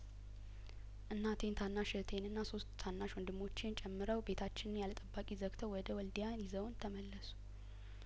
እናቴን ታናሽ እህቴንና ሶስት ታናሽ ወንድሞቼን ጨምረው ቤታችንን ያለጠባቂ ዘግ ተው ወደ ወልዲያይዘውን ተመለሱ